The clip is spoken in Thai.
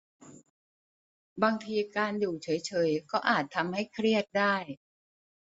บางทีการอยู่เฉยเฉยก็อาจทำให้เครียดได้